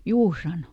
juu sanoi